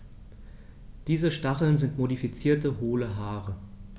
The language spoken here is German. Diese Stacheln sind modifizierte, hohle Haare.